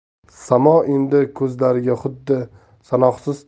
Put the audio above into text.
samo endi ko'zlariga xuddi sanoqsiz